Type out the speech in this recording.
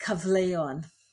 cyfleon